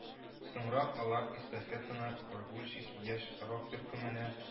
Соңрак алар эстафетаны “Прогульщики” яшь рок-төркеменә